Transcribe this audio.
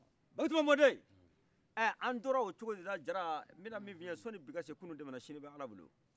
baki tuma mɔden ɛ an tora o cogo de la diara nbina min fi ɲɛna sɔni bi kase kunu tɛmɛna sinin bɛ alabolo